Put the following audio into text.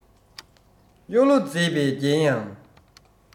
གཡུ ལོ མཛེས པས བརྒྱན ཡང